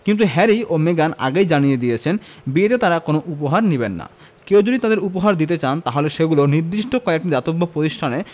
কিন্তু হ্যারি ও মেগান আগেই জানিয়ে দিয়েছেন বিয়েতে তাঁরা কোনো উপহার নেবেন না কেউ যদি তাঁদের উপহার দিতেই চান তাহলে সেগুলো নির্দিষ্ট কয়েকটি দাতব্য প্রতিষ্ঠানে